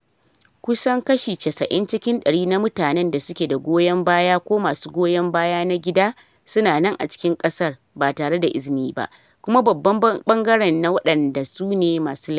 "Kusan kashi 80 cikin dari na mutanen da suke da goyon baya ko masu goyon baya na gida su na nan a cikin kasar ba tare da izini ba, kuma babban ɓangare na waɗanda su ne masu laifi.